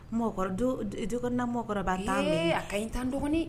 Mɔgɔ duna mɔgɔkɔrɔba' taa a ka ɲi tan dɔgɔn